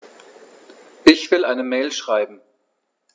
Ich will eine Mail schreiben.